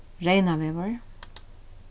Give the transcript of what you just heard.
reynavegur